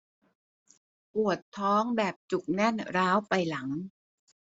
ปวดท้องแบบจุกแน่นร้าวไปหลัง